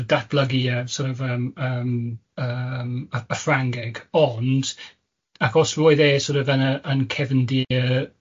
datblygu y sor' of yym yym yym y y Ffrangeg, ond, ac os roedd e sor' of yn yy yn cefndir yy